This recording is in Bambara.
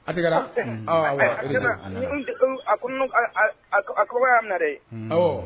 A a ko a ko y'a nare